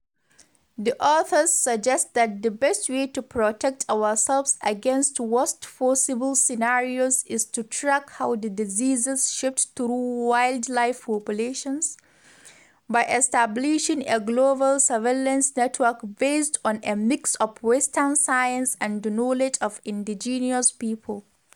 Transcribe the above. “The authors suggest that the best way to protect ourselves against worst possible scenarios is to track how the diseases shift through wildlife populations by establishing a global surveillance network based on a mix of Western science and the knowledge of indigenous people.”